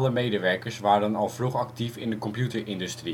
medewerkers waren al vroeg actief in de computerindustrie